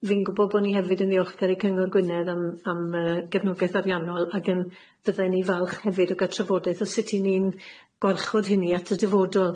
fi'n gwbo bo ni hefyd yn ddiolchgar i Cyngor Gwynedd am am yy gefnogeth ariannol ag yn fydden ni falch hefyd o ga'l trafodaeth o sut 'i ni'n gwarchod hynny at y dyfodol.